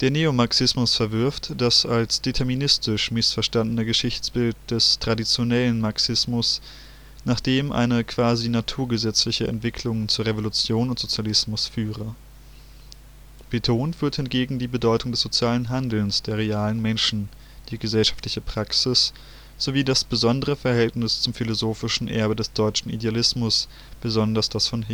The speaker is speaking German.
Neomarxismus verwirft das als deterministisch missverstandene Geschichtsbild des „ traditionellen Marxismus “, nach dem eine quasi naturgesetzliche Entwicklung zu Revolution und Sozialismus führe. Betont wird hingegen die Bedeutung des sozialen Handelns der realen Menschen (Subjekte), die gesellschaftliche Praxis, sowie das besondere Verhältnis zum philosophischen Erbe des deutschen Idealismus, besonders das von